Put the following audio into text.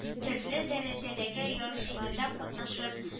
Төрле дәрәҗәдәге ярышларда катнашып